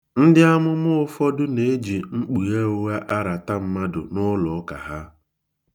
Ndị amụma ụfọdụ na-eji mkpughe ụgha arata mmadụ n'ụlọụka ha.